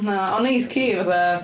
Na, ond wneith ci fatha...